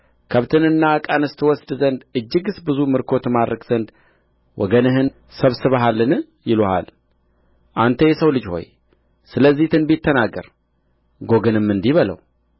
ከብትንና ዕቃንስ ትወስድ ዘንድ እጅግስ ብዙ ምርኮ ትማርክ ዘንድ ወገንህን ሰብስበሃልን ይሉሃል አንተ የሰው ልጅ ሆይ ስለዚህ ትንቢት ተናገር ጎግንም እንዲህ በለው